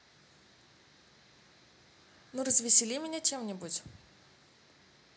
ну развесели меня чем нибудь